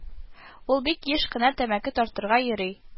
Ул бик еш кына тәмәке тартырга йөри